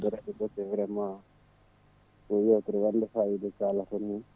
radio keeso vraiment ko yewtere wande fayida so Allah kono noon